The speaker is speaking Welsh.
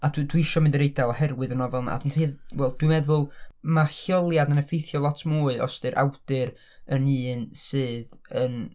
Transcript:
a dwi dwi isio mynd i'r Eidal oherwydd y nofel yna a dwi'n tuedd- wel, dwi'n meddwl ma' lleoliad yn effeithio lot mwy os ydy'r awdur yn un sydd yn